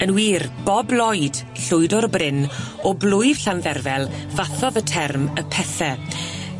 Yn wir, Bob Lloyd, llwyd o'r Bryn o blwyf Llandderfel, fathodd y term y pethe.